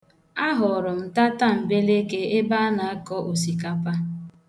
Ahụrụ m tatambeleke ebe a na-akọ osikapa.